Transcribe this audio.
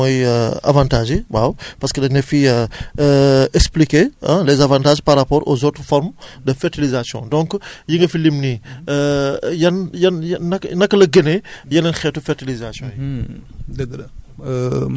li nga xamante ne moom mooy avantages yi waaw parce que dañu ne fii expliquer ah les avantages par rapport aux autres formes de fertilisation donc yi nga fi lim nii yan yan yan naka la gënee yeneen xeetu fertilisation yi